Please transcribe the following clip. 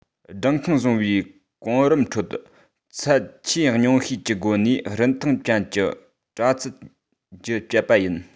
སྦྲང ཁང བཟོ བའི གོམ རིམ ཁྲོད ཚད ཆེས ཉུང ཤོས ཀྱི སྒོ ནས རིན ཐང ཅན གྱི པྲ ཚིལ རྒྱུ སྤྱད པ ཡིན